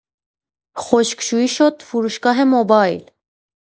خشکشویی شد فروشگاه موبایل.